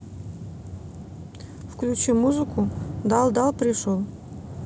включи музыку дал дал пришел